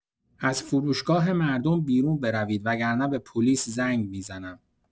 از فروشگاه مردم بیرون بروید، وگرنه به پلیس زنگ می‌زنم.